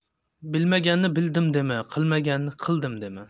bilmaganni bildim dema qilmaganni qildim dema